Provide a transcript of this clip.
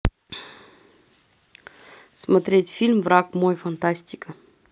смотреть фильм враг мой фантастика